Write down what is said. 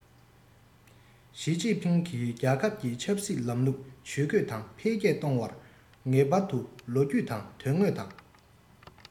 ཞིས ཅིན ཕིང གིས རྒྱལ ཁབ ཀྱི ཆབ སྲིད ལམ ལུགས ཇུས བཀོད དང འཕེལ རྒྱས གཏོང བར ངེས པར དུ ལོ རྒྱུས དང དོན དངོས དང